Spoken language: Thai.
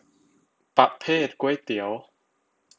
ประเภทก๋วยเตี๋ยว